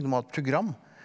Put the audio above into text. du må ha et program.